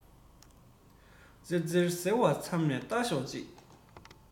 ཙེར ཙེར ཟེར བ ཙམ ལས ཤ རྡོག གཅིག